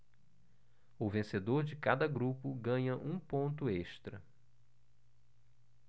o vencedor de cada grupo ganha um ponto extra